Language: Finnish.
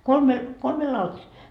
kolme kolme lautasta